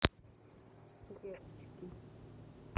деточки